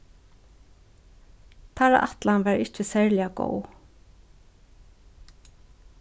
teirra ætlan var ikki serliga góð